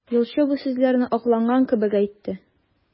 Юлчы бу сүзләрне акланган кебек әйтте.